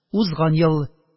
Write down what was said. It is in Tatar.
Узган ел,